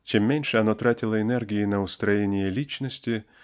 Чем меньше оно тратило энергии на устроение личности